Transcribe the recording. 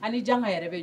Hali jan ka yɛrɛ bɛ